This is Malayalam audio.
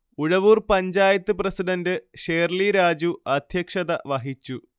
ഉഴവൂർ പഞ്ചായത്ത് പ്രസിഡന്റ് ഷേർളി രാജു അധ്യക്ഷത വഹിച്ചു